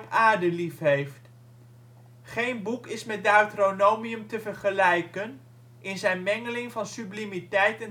aarde lief heeft. Geen boek is met Deuteronomium te vergelijken in zijn mengeling van sublimiteit